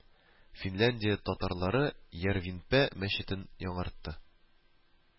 Финляндия татарлары Ярвенпә мәчетен яңартты